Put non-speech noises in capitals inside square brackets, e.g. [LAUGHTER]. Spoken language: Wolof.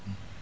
[HESITATION]